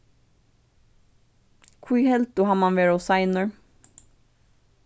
hví heldur tú hann man vera ov seinur